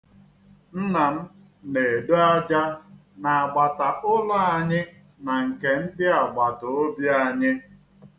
Nna m na-edo aja n'agbata ụlọ anyị na nke agbatobi anyị.